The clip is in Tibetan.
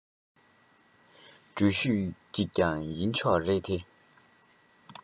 འགྲུལ བཞུད ཅིག ཀྱང ཡིན ཆོག རེད དེ